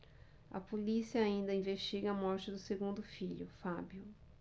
a polícia ainda investiga a morte do segundo filho fábio